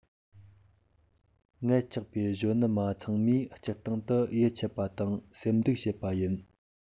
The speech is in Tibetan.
མངལ ཆགས པའི གཞོན ནུ མ ཚང མ སྤྱིར བཏང དུ ཡིད ཆད པ དང སེམས སྡུག བྱེད པ ཡིན